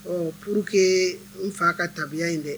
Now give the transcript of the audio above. Ɔ pur que n fa ka tabiya in dɛ